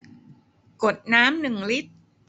กดน้ำหนึ่งลิตร